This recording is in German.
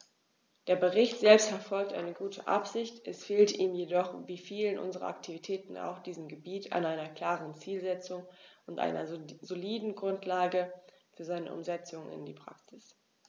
Der Bericht selbst verfolgt eine gute Absicht, es fehlt ihm jedoch wie vielen unserer Aktivitäten auf diesem Gebiet an einer klaren Zielsetzung und einer soliden Grundlage für seine Umsetzung in die Praxis.